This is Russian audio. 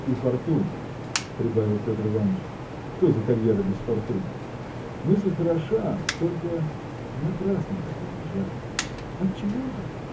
– И фортуну, – прибавил Петр Иваныч, – что за карьера без фортуны? Мысль хороша – только. напрасно ты приезжал. – Отчего же?